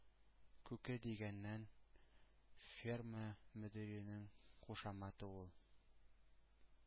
«күке» дигәннән, ферма мөдиренең кушаматы ул.